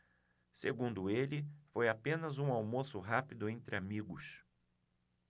segundo ele foi apenas um almoço rápido entre amigos